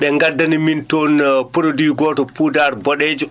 ɓe ngaddani min toon produit gooto poudare boɗeejo